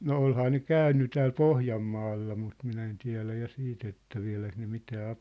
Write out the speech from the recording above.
no olihan ne käynyt täällä Pohjanmaalla mutta minä en tiedä ja sitten että vieläkö ne mitään -